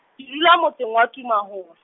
ke dula motseng wa Tumahole.